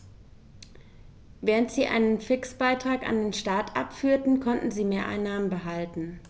Während sie einen Fixbetrag an den Staat abführten, konnten sie Mehreinnahmen behalten.